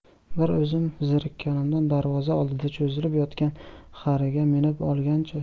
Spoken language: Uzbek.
bir o'zim zerikkanimdan darvoza oldida cho'zilib yotgan xariga minib olgancha